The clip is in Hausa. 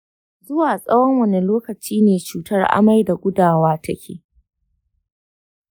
zuwa tsawon wane lokaci ne cutar amai da gudawa take?